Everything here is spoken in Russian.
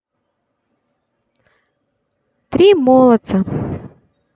три молодца